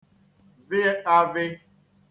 vị āvị̄